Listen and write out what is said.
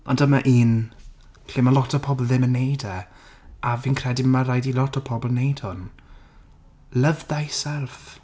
Ond dyma un lle mae lot o pobl ddim yn wneud e. A fi'n credu mae rhaid i lot o pobl wneud hwn. Love thyself.